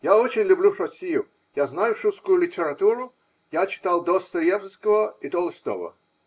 Я очень люблю Россию, я знаю русскую литературу, я читал Достоевского и Толстого.